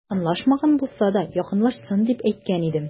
Якынлашмаган булса да, якынлашсын, дип әйткән идем.